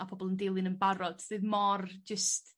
a pobol yn dilyn yn barod sydd mor jys